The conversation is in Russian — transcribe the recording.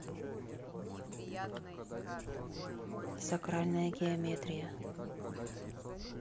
сакральная геометрия